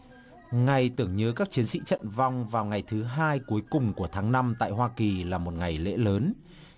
ngày tưởng nhớ các chiến sĩ trận vong vào ngày thứ hai cuối cùng của tháng năm tại hoa kỳ là một ngày lễ lớn